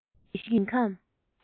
རྩོམ རིག གི ཞིང ཁམས